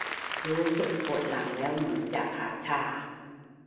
รู้สึกปวดหลังแล้วเหมือนจะขาชา